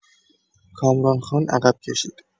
کامران‌خان عقب کشید.